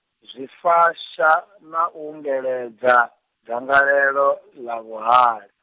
zwifasha na u ungeledza, dzangalelo ḽa muvhali.